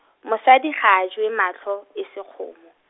mosadi ga a jwe- matlho, e se kgomo.